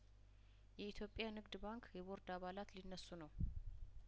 የኢትዮጵያ ንግድ ባንክ የቦርድ አባላት ሊነሱ ነው